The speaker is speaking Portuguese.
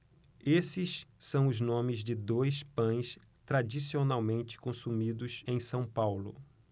esses são os nomes de dois pães tradicionalmente consumidos em são paulo